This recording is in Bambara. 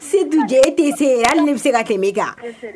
Se du jɛ e tɛ se ye hali ni bɛ se ka kɛ kan